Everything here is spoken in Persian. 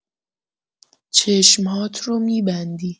چشم‌هات رو می‌بندی.